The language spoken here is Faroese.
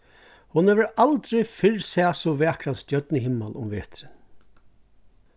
hon hevur aldrin fyrr sæð so vakran stjørnuhimmal um veturin